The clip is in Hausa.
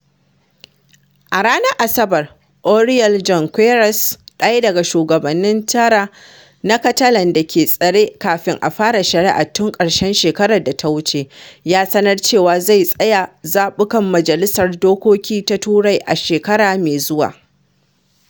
A ranar Asabar, Oriol Junqueras, ɗaya daga shugabanni tara na Catalan da ke tsare kafin a fara shari’a tun ƙarshen shekarar da ta wuce, ya sanar cewa zai tsaya zaɓuɓɓukan Majalisar Dokoki ta Turai a shekara mai zuwa.